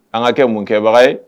An ka kɛ munkɛbaga ye